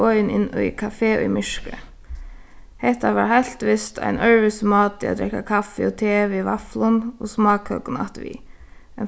boðin inn í kafe í myrkri hetta var heilt vist ein øðrvísi máti at drekka kaffi og te við vaflum og smákøkum afturvið